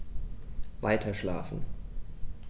Weiterschlafen.